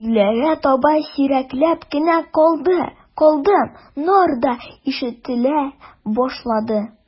Өйләгә таба сирәкләп кенә «калды», «калдым»нар да ишетелә башлады.